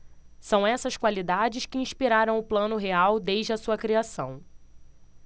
são essas qualidades que inspiraram o plano real desde a sua criação